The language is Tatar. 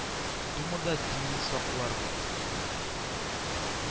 Думада динне саклар бу, диделәр